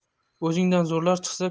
o'zingdan zo'rlar chiqsa